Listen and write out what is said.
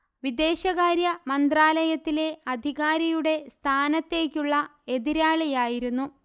വിദേശകാര്യമന്ത്രാലയത്തിലെ അധികാരിയുടെ സ്ഥാനത്തേക്കുള്ള എതിരാളിയായിരുന്നു